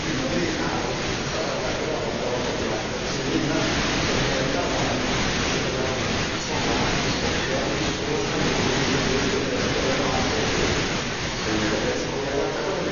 Ginnon ni ar ochor arall i'r afon ar y warchodfa yy Tŷ Munan sef hen dafarn lle fyddai'r llonga yn stopio i ddisgwl y llanw i fynd i fyny yn nes i Derwen Las 'lly dyn ca'l 'i ail-agor am wn i.